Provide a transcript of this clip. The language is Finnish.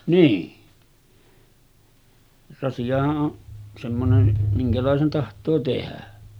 niin rasiahan on semmoinen minkälaisen tahtoo tehdä